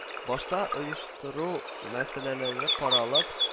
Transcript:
Башта оештыру мәсьәләләре каралып